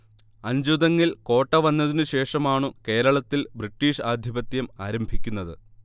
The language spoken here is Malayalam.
അഞ്ചുതെങ്ങിൽ കോട്ട വന്നതിനു ശേഷമാണു കേരളത്തിൽ ബ്രിട്ടീഷ് ആധിപത്യം ആരംഭിക്കുന്നത്